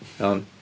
Iawn.